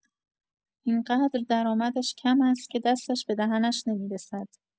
این‌قدر درآمدش کم است که دستش به دهنش نمی‌رسد.